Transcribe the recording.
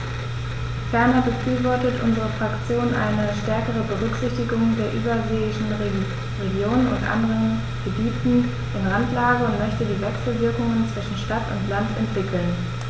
Ferner befürwortet unsere Fraktion eine stärkere Berücksichtigung der überseeischen Regionen und anderen Gebieten in Randlage und möchte die Wechselwirkungen zwischen Stadt und Land entwickeln.